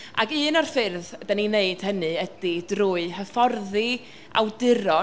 Ac un o'r ffyrdd dan ni'n wneud hynny ydy drwy hyfforddi awduron,